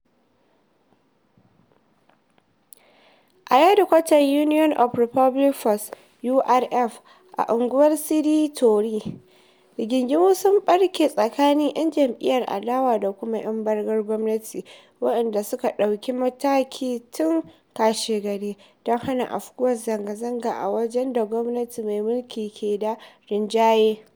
…a hedkwatar Union of Republican Forces (URF) a unguwar Sidya Toure, rigingimu sun ɓarke tsakanin 'yan jam'iyyar adawa da kuma 'yan bangar gwamnati waɗanda suka ɗauki mataki tun kashegari don hana afkuwar zanga-zanga a wajen da gwamnatin mai mulki ke da rinjaye.